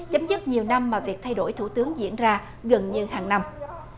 chấm dứt nhiều năm mà việc thay đổi thủ tướng diễn ra gần như hàng năm